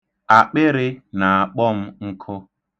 Akpịrị na-akpọ m nkụ.